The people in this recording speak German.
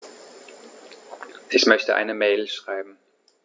Ich möchte eine Mail schreiben.